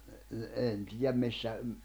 ne ne en tiedä missä